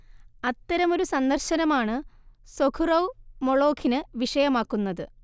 അത്തരമൊരു സന്ദർശനമാണ് സൊഖുറോവ് 'മൊളോഖി'ന് വിഷയമാക്കുന്നത്